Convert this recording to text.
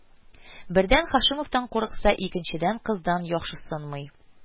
Бердән, Һаши-мовтан курыкса, икенчедән, кыздан яхшысынмый